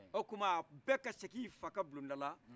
o tuma bɛɛ ka segin i fa ka bulonda la